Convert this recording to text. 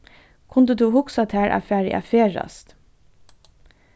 kundi tú hugsað tær at farið at ferðast